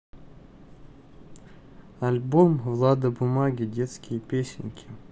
альбом влада бумаги детские песенки